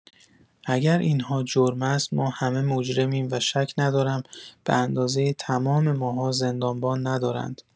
اگر این‌ها جرم است ما همه مجرمیم و شک ندارم به‌اندازه تمام ماها زندانبان ندارند.